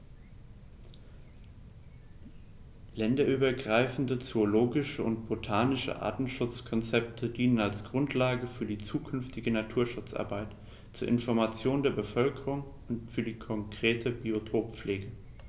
Länderübergreifende zoologische und botanische Artenschutzkonzepte dienen als Grundlage für die zukünftige Naturschutzarbeit, zur Information der Bevölkerung und für die konkrete Biotoppflege.